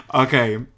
Okay